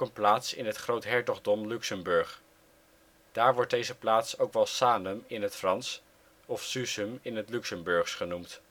plaats in het Groothertogdom Luxemburg. Daar wordt deze plaats ook wel Sanem (Frans) of Suessem (Luxemburgs) genoemd